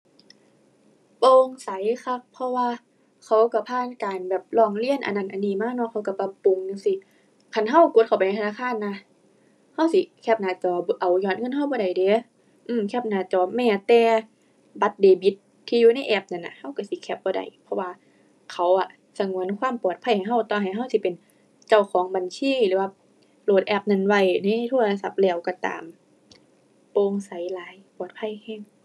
โปร่งใสคัก เพราะว่าเขาก็ผ่านการแบบร้องเรียนอันนั้นอันนี้มาเนาะ เขาก็ปรับปรุงจั่งซี้ คันก็กดเข้าไปในธนาคารนะ ก็สิแคปหน้าจอ เอายอดเงินก็บ่ได้เดะ อือ แคปหน้าจอ แม้แต่บัตรเดบิตที่อยู่ในแอปนั่นน่ะ ก็ก็สิแคปบ่ได้ เพราะว่าเขาอะสงวนความปลอดภัยให้ก็ ต่อให้ก็สิเป็นเจ้าของบัญชีหรือว่าโหลดแอปนั้นไว้ในโทรศัพท์แล้วก็ตาม โปร่งใสหลาย ปลอดภัยก็